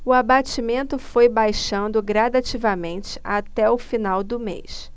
o abatimento vai baixando gradativamente até o final do mês